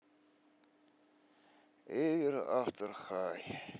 эвер афтер хай